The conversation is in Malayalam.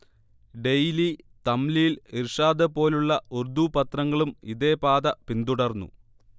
ഡെയിലി, തംലീൽ, ഇർഷാദ് പോലുള്ള ഉർദു പത്രങ്ങളും ഇതേപാത പിന്തുടർന്നു